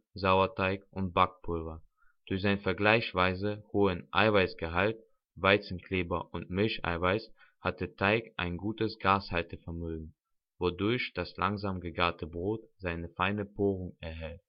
Sauerteig und Backpulver. Durch seinen vergleichsweise hohen Eiweißgehalt (Weizenkleber und Milcheiweiß) hat der Teig ein gutes Gashaltevermögen, wodurch das langsam gegarte Brot seine feine Porung erhält